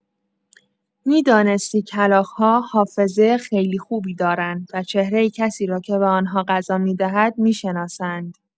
می‌دانستی کلاغ‌ها حافظه خیلی خوبی دارند و چهره کسی را که به آن‌ها غذا می‌دهد، می‌شناسند؟!